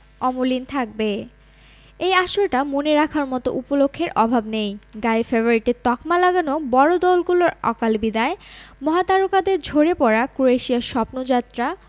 অমলিন থাকবে এই আসরটা মনে রাখার মতো উপলক্ষের অভাব নেই গায়ে ফেভারিটের তকমা লাগানো বড় দলগুলোর অকাল বিদায় মহাতারকাদের ঝরে পড়া ক্রোয়েশিয়ার স্বপ্নযাত্রা